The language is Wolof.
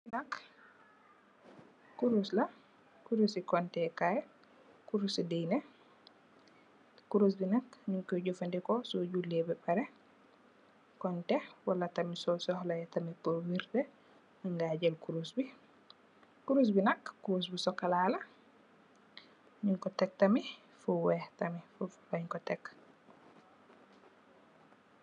Li nak kurus la, kurusi kontee kai kurus si dina. Kurus bi nak ñing koy jafandiko so jullee be pareh kontee wala so soxla purr wirda man ngay jél kurus bi, kurus bi nak kurus bu sokola la ñing ko tèk tamit fu wèèx tamit.